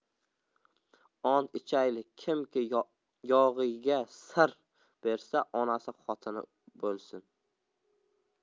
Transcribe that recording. ont ichaylik kimki yog'iyga sir bersa onasi xotini bo'lsin